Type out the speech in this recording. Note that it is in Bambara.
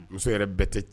Muso yɛrɛ bɛɛ tɛ